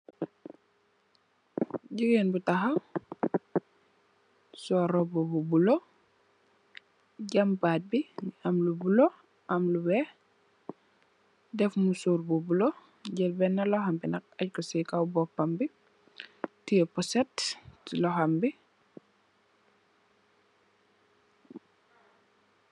Jigeen bu taxaw sol roba bu bulu jam baat bi am lu bulu am lu weex def musur bu bulu jel bena loxombi agg ku si kaw bopam bi teye poset so loxom bi.